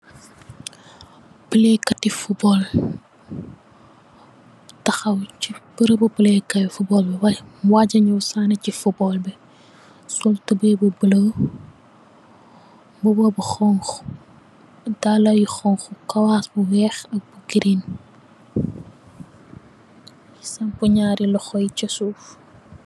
Pelaykate fuubal tahaw se berebu pelaykaye fuubal waja nyaw sanese fuubal be sol tubaye bu bula muba bu xonxo dalla yu xonxo kawass bu weex ak bu girin sampu nyari lohou ye che suuf.